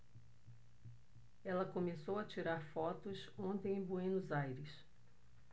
ela começou a tirar fotos ontem em buenos aires